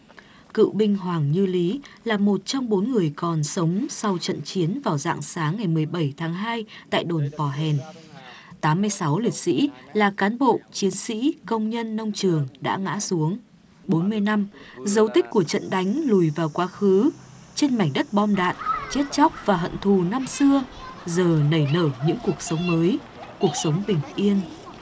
cựu binh hoàng như lý là một trong bốn người còn sống sau trận chiến vào rạng sáng ngày mười bảy tháng hai tại đồn pò hèn tám mươi sáu liệt sỹ là cán bộ chiến sĩ công nhân nông trường đã ngã xuống bốn mươi năm dấu tích của trận đánh lùi vào quá khứ trên mảnh đất bom đạn chết chóc và hận thù năm xưa giờ nảy nở những cuộc sống mới cuộc sống bình yên